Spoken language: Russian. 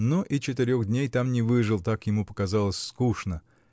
но и четырех дней там не выжил, -- так ему показалось скучно.